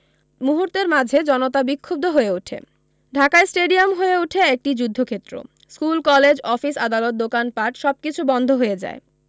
মুহূর্তের মাঝে জনতা বিক্ষুদ্ধ হয়ে ওঠে ঢাকা স্টেডিয়াম হয়ে ওঠে একটি যুদ্ধক্ষেত্র স্কুল কলেজ অফিস আদালত দোকান পাট সবকিছু বন্ধ হয়ে যায়